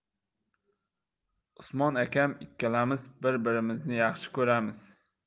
usmon akam ikkalamiz bir birimizni yaxshi ko'ramiz